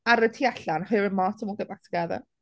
ar y tu allan, her and Martin will get back together.